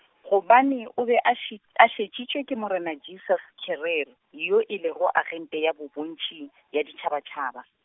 gobane o be a šet-, a šetšitšwe ke morena Jasues Scherrer, yo e lego agente ya bobontšhi, ya ditšhabatšhaba.